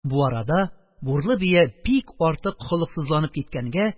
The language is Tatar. Бу арада бурлы бия бик артык холыксызланып киткәнгә,